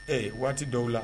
Ee waati dɔw la